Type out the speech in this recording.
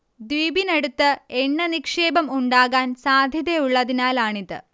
ദ്വീപിനടുത്ത് എണ്ണ നിക്ഷേപം ഉണ്ടാകാൻ സാദ്ധ്യതയുള്ളതിനാലാണിത്